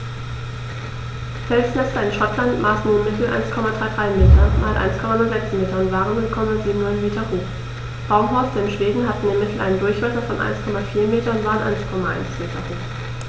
Felsnester in Schottland maßen im Mittel 1,33 m x 1,06 m und waren 0,79 m hoch, Baumhorste in Schweden hatten im Mittel einen Durchmesser von 1,4 m und waren 1,1 m hoch.